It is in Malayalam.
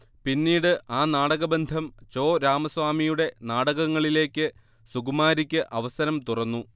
പിന്നീട് ആ നാടകബന്ധം ചോ രാമസ്വാമിയുടെ നാടകങ്ങളിലേക്ക് സുകുമാരിക്ക് അവസരം തുറന്നു